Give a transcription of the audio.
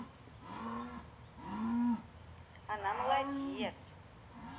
она молодец